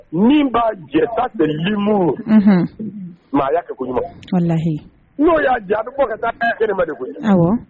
Min b'a jɛ maaya n'o y'a jaabi ka taa kelen de